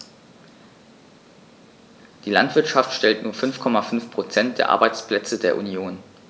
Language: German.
Die Landwirtschaft stellt nur 5,5 % der Arbeitsplätze der Union.